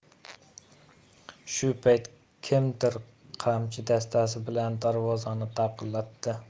shu payt kimdir qamchi dastasi bilan darvozani taqillatdi